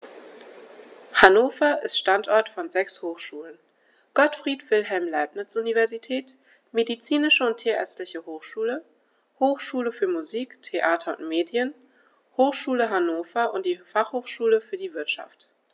Hannover ist Standort von sechs Hochschulen: Gottfried Wilhelm Leibniz Universität, Medizinische und Tierärztliche Hochschule, Hochschule für Musik, Theater und Medien, Hochschule Hannover und die Fachhochschule für die Wirtschaft.